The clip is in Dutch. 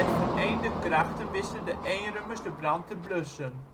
vereende krachten wisten de Eenrummers de brand te blussen